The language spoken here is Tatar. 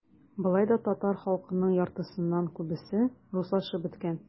Болай да татар халкының яртысыннан күбесе - руслашып беткән.